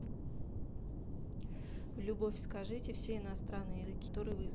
любовь скажите все иностранные языки которые вызвали